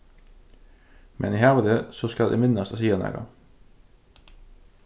meðan eg havi teg so skal eg minnast at siga nakað